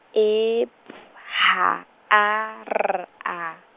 E P H A R A.